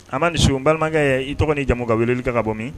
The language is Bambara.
A ma ni sun balimakɛ i tɔgɔ ni jamu ka weleli ka ka bɔ min